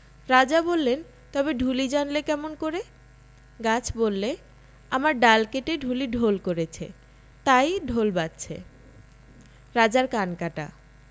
রাজা বললেন তবে ঢুলি জানলে কেমন করে গাছ বললে আমার ডাল কেটে ঢুলি ঢোল করেছে তাই ঢোল বাজছে রাজার কান কাটা